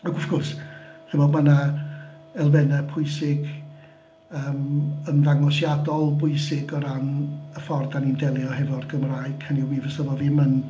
Ac wrth gwrs chimod ma' 'na elfennau pwysig yym ymddangosiadol bwysig o ran y ffordd dan ni'n delio hefo'r Gymraeg. Hynny yw mi fasai fo ddim yn...